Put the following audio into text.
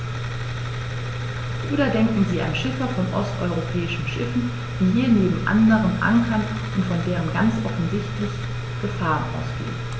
Oder denken Sie an Schiffer von osteuropäischen Schiffen, die hier neben anderen ankern und von denen ganz offensichtlich Gefahren ausgehen.